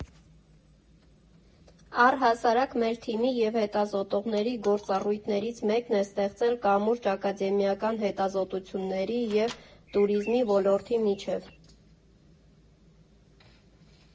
Առհասարակ մեր թիմի և հետազոտողների գործառույթներից մեկն է ստեղծել կամուրջ ակադեմիական հետազոտությունների և տուրիզմի ոլորտի միջև։